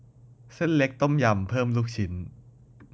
เส้นเล็กต้มยำเพิ่มลูกชิ้น